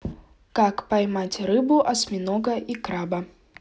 как поймать рыбу осьминога и краба